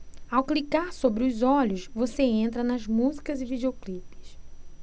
ao clicar sobre os olhos você entra nas músicas e videoclipes